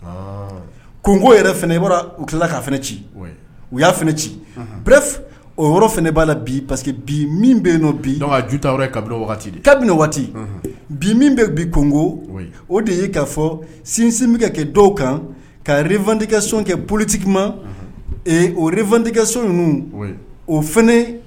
Go tila ci y'a ci o yɔrɔ fana b'a la bi paseke bi min yen ta waati bi min bɛ bi kogo o de ye ka fɔ sinsin bɛ kɛ dɔw kan ka yɛrɛretigɛkɛso kɛ politigiki ma otigikɛso o